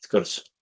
Wrth gwrs.